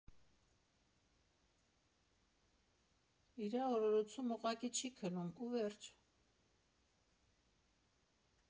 Իրա օրորոցում ուղղակի չի քնում, ու վերջ։